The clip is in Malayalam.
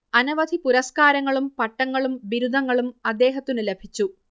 അനവധി പുരസ്കാരങ്ങളും പട്ടങ്ങളും ബിരുദങ്ങളും അദ്ദേഹത്തിനു ലഭിച്ചു